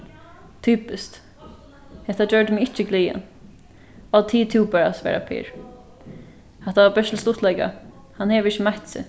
typiskt hetta gjørdi meg ikki glaðan áh tig tú bara svarar per hatta var bert til stuttleika hann hevur ikki meitt seg